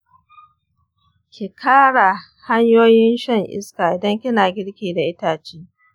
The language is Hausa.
ki kara hanyoyin shan iska idan kina girki da itace.